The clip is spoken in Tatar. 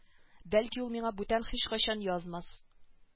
Бәлки ул миңа бүтән һичкайчан язмас